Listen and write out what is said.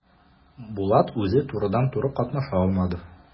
Булат үзе турыдан-туры катнаша алмады.